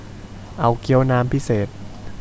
เอาเกี้ยวน้ำพิเศษ